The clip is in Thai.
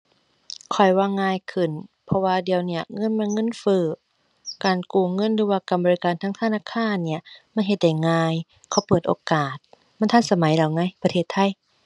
ข้อยว่าง่ายขึ้น เพราะว่าเดี๋ยวเนี้ยเงินมันเงินเฟ้อ การกู้เงินหรือว่าการบริการทางธนาคารเนี่ยมันเฮ็ดได้ง่าย เขาเปิดโอกาส มันทันสมัยแล้วไง ประเทศไทย